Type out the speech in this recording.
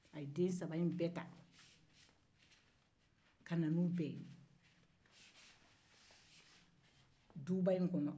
a ye den saba in bɛɛ ta ka na n'u bɛɛ ye duba in kɔnɔ